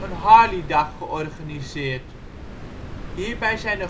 Harleydag georganiseerd. Hierbij zijn